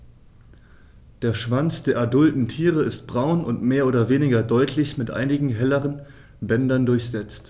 Der Schwanz der adulten Tiere ist braun und mehr oder weniger deutlich mit einigen helleren Bändern durchsetzt.